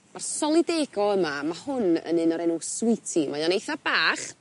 Ma'r solidago yma ma' hwn yn un o'r enw sweety mae o'n eitha bach